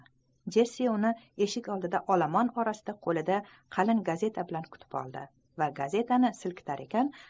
jessi uni eshik oldida olomon orasida qo'lida qalin gazetasi bilan kutib oldi va gazetani silkitar ekan